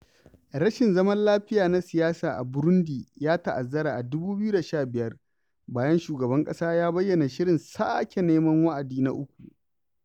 … Rashin zaman lafiya na siyasa a Burundi ya ta'azzara a 2015 bayan shugaban ƙasa ya bayyana shirin sake neman wa'adi na uku.